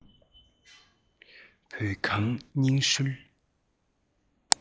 བོད ཁང སྙིང ཧྲུལ